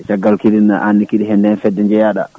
caggal kadine an kadi ko nden fedde jeeyaɗa